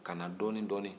ka na dɔɔnin-dɔɔnin